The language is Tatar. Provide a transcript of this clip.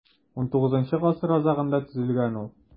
XIX гасыр азагында төзелгән ул.